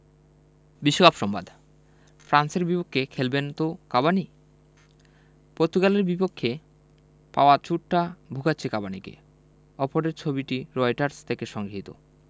বিশ্বকাপ সংবাদ ফ্রান্সের বিপক্ষে খেলবেন তো কাভানি পর্তুগালের বিপক্ষে পাওয়া চোটটা ভোগাচ্ছে কাভানিকে ওপরের ছবিটি রয়টার্স থেকে সংগৃহীত